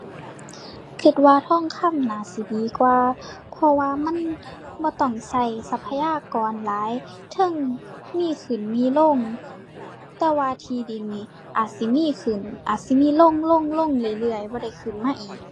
คิดว่าทองคำน่าสิดีกว่า เพราะว่ามันบ่ต้องคิดทรัพยากรหลาย เทิงมีขึ้นมีลง แต่ว่าที่ดินนี่ อาจสิมีขึ้น อาจสิมีลงลงลง เรื่อยเรื่อย บ่ได้ขึ้นมาอีก